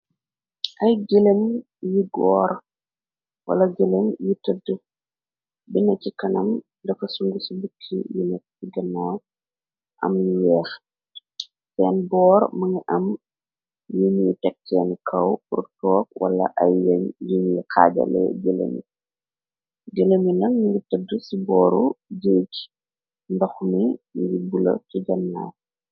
Ay gëlan yi goor wala gëlan yi tëdd binn ci kanam dafa sung ci bukki yi nek ci gannaa am yi yeex seen boor mënga am yi ñuy teg seen kaw prtook wala ay yeñ yiñi xaajale jëleni gëlam yi nan yi tëdd ci booru jéegi ndox ni ngir bula ci jannaa.